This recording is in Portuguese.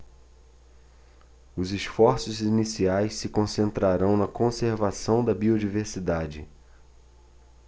os esforços iniciais se concentrarão na conservação da biodiversidade